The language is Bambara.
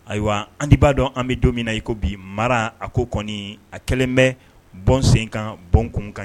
Ayiwa andi b'a dɔn an bɛ don min na i ko bi mara a ko kɔni a kɛlen bɛ bɔn senkan bɔn kun kan